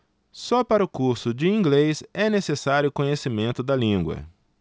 só para o curso de inglês é necessário conhecimento da língua